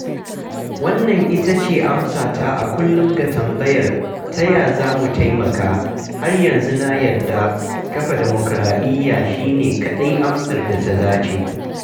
Wannan ita ce amsata a kullum ga tambayar "ta yaya za mu taimaka?" Har yanzu na yarda [kafa dimukraɗiyya] shi ne kaɗai amsar da ta dace.